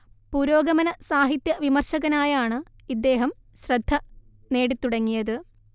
പുരോഗമന സാഹിത്യവിമർശകനായാണ് ഇദ്ദേഹം ശ്രദ്ധ നേടിത്തുടങ്ങിയത്